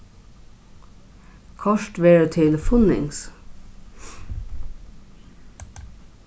koyrt verður til funnings